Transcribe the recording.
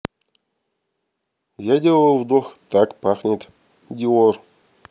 я делаю вдох так пахнет dior